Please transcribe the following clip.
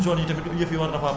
ndax mën nañu jàpp ne